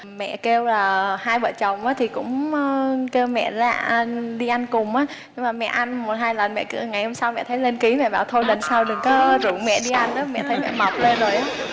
mẹ kêu là hai vợ chồng á thì cũng kêu mẹ ra đi ăn cùng á nhưng mà mẹ ăn một hai lần mẹ cứ ngày hôm sau mẹ thấy lên kí mẹ bảo thôi lần sau đừng có rủ mẹ đi ăn nữa mẹ thấy mẹ mập lên rồi á